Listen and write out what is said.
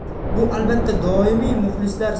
bu albatta doimiy muxlislar